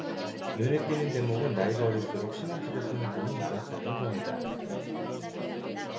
눈에 띄는 대목은 나이가 어릴수록 신혼집에 쓰는 돈이 많았다는 점이다